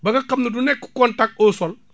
ba nga xam ne du nekk contact au sol